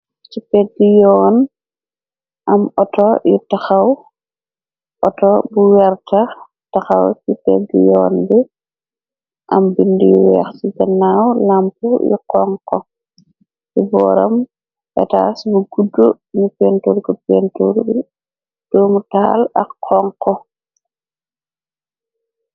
Ci peggi yoon am auto yu taxaw auto bu wertax taxaw ci pegg yoon bi am bindiy weex ci ganaaw lamp yu xonxo di booram petas bu gudd nu pentur ku pentur bi doomu taal ak xonko.